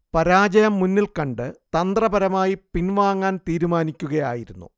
പരാജയം മുന്നിൽ കണ്ട തന്ത്രപരമായി പിൻവാങ്ങാൻ തീരുമാനിക്കുകയായിരുന്നു